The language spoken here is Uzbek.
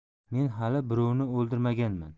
men hali birovni o'ldirmaganman